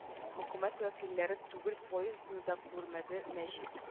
Хөкүмәт вәкилләрен түгел поездны да күрмәде нәҗип